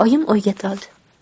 oyim o'yga toldi